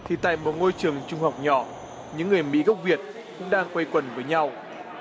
thì tại của môi trường trung học nhỏ những người mỹ gốc việt đang quây quần với nhau